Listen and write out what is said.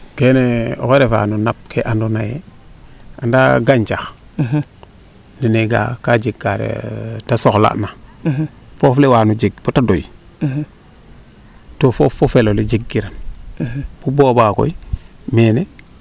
keene o xey refa no nape kee ando naye anda gancax nene o ga'a ka jeg kaa te soxla na foof le wa no jeg boto doy to fofo felo fe jeg kiran bo booba koy meene